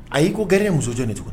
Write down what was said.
A y'i ko g ni musojɔ tugun